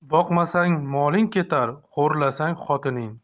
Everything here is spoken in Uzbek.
boqmasang moling ketar xo'rlasang xotining